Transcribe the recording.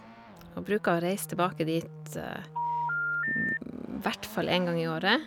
Og bruker å reise tilbake dit hvert fall en gang i året.